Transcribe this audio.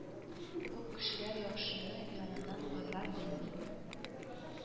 Күп кешеләр яхшыны яманнан аера белми